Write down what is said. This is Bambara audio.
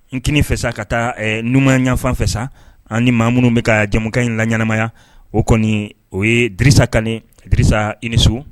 Nkini fɛ ka taa n ɲɛfanfɛ sa ani maa minnu bɛ ka jamu in la ɲɛnaanamaya o kɔni o ye dsa kanxsa i niso